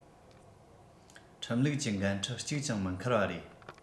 ཁྲིམས ལུགས གྱི འགན འཁྲི གཅིག ཀྱང མི འཁུར བ རེད